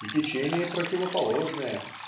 и течение противоположное